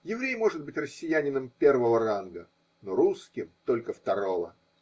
Еврей может быть россиянином первого ранга, но русским – только второго.